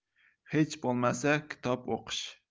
hech bo'lmasa kitob o'qish